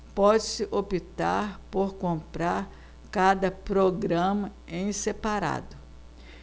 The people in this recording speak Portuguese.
pode-se optar por comprar cada programa em separado